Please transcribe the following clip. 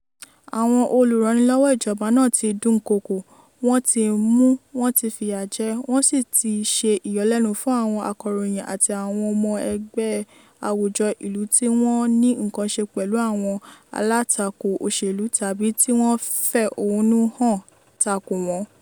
Àwọn olúranilọ́wọ̀ ìjọba náà tí dúnkòokò, wọ́n ti mú, wọ́n ti fìyà jẹ, wọ́n sì ti ṣe ìyọlẹ́nu fún àwọn akọ̀ròyìn àti àwọn ọmọ ẹgbẹ́ àwùjọ ìlú tí wọ́n ní ǹnkan ṣe pẹ̀lú àwọn alátakò òṣèlú tàbí tí wọ́n fẹ̀hónú hàn takò wọ́n.